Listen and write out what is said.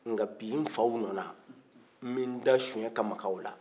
nka bi n faw nɔna n bɛ n da sonye ka maka o la